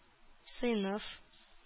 Сыйныф